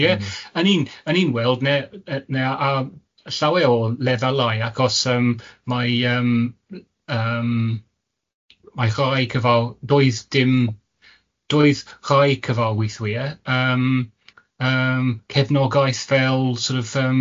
Ie a ni'n a ni'n weld neu yy neu ar llawer o lefelau achos yym mae yym yym, mae rhai cyfal- doedd dim doedd rhai cyfarwythwyr yym yym cefnogaeth fel sort of yym